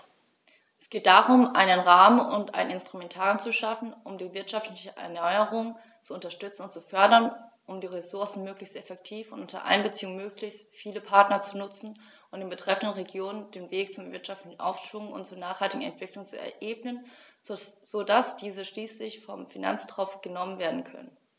Es geht darum, einen Rahmen und ein Instrumentarium zu schaffen, um die wirtschaftliche Erneuerung zu unterstützen und zu fördern, um die Ressourcen möglichst effektiv und unter Einbeziehung möglichst vieler Partner zu nutzen und den betreffenden Regionen den Weg zum wirtschaftlichen Aufschwung und zur nachhaltigen Entwicklung zu ebnen, so dass diese schließlich vom Finanztropf genommen werden können.